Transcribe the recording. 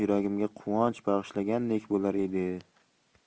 yuragimga quvonch bag'ishlagandek bo'lar edi